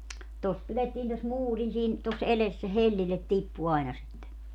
tuossa pidettiin tuossa muurin siinä tuossa edessä se hellille tippui aina sitten